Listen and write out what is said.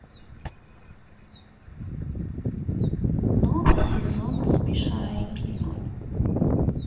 новый сезон смешарики